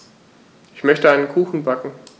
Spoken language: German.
Ich möchte einen Kuchen backen.